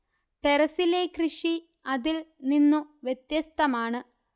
ടെറസ്സിലെ കൃഷി അതിൽ നിന്നു വ്യത്യസ്തമാണ്